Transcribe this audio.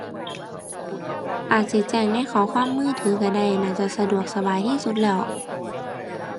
อาจสิแจ้งในข้อความมือถือก็ได้ น่าจะสะดวกสบายที่สุดแล้ว